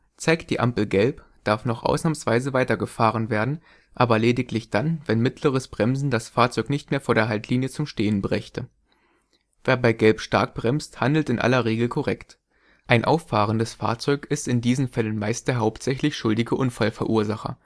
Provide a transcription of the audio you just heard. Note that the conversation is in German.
Zeigt die Ampel Gelb, darf noch ausnahmsweise weiter gefahren werden, aber lediglich dann, wenn mittleres Bremsen das Fahrzeug nicht mehr vor der Haltlinie zum Stehen brächte. Wer bei Gelb stark bremst, handelt in aller Regel korrekt. Ein auffahrendes Fahrzeug ist in diesen Fällen meist der hauptsächlich schuldige Unfallverursacher